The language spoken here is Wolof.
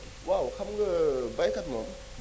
waaw xam nga baykat moom